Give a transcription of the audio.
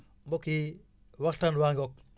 mbokk yi waxtaan waa ngoog